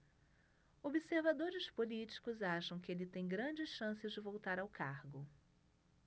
observadores políticos acham que ele tem grandes chances de voltar ao cargo